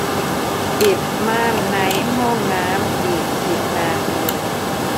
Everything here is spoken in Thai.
ปิดม่านในห้องน้ำอีกสิบนาที